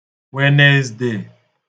Wenezde